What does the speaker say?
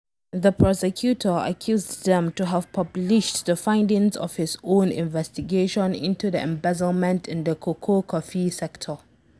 The prosecutor accused them to have published the findings of his own investigation into the embezzlement in the cocoa-coffee sector.